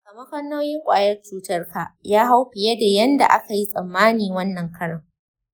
sakamakon nauyin ƙwayar cutarka ya hau fiye da yanda akayi tsammani wannan karon.